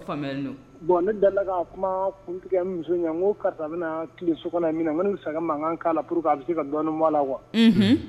Bɔn ne dala kuma karisa bɛna tile so kɔnɔ min na bɛ ka' la bɛ se ka dɔɔnin la wa